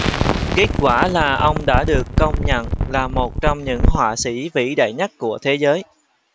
kết quả là ông đã được công nhận là một trong những họa sĩ vĩ đại nhất của thế giới